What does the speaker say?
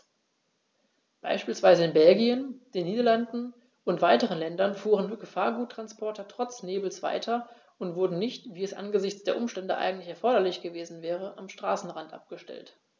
Beispielsweise in Belgien, den Niederlanden und weiteren Ländern fuhren Gefahrguttransporter trotz Nebels weiter und wurden nicht, wie es angesichts der Umstände eigentlich erforderlich gewesen wäre, am Straßenrand abgestellt.